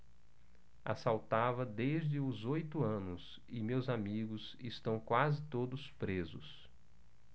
assaltava desde os oito anos e meus amigos estão quase todos presos